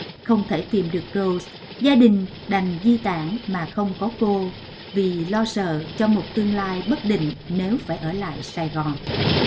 không thể tìm được râu gia đình đành di tản mà không có cô vì lo sợ cho một tương lai bất định nếu phải ở lại sài gòn